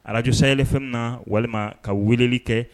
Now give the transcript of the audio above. Arajosaylifana na walima ka weleli kɛ